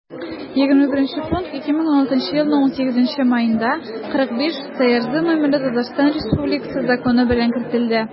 21 пункт 2016 елның 18 маендагы 45-трз номерлы татарстан республикасы законы белән кертелде